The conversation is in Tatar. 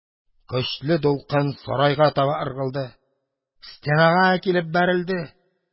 Көчле дулкын сарайга таба ыргылды, стенага килеп бәрелде.